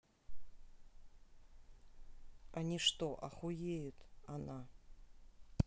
они что охуеют она